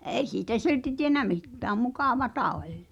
ei siitä silti tiennyt mitään mukavaa oli